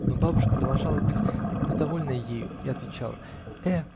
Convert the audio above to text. но бабушка продолжала быть недовольной ею и отвечала: -- Э!